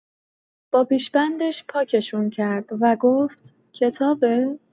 با پیش‌بندش پاکشون کرد و گفت: کتابه؟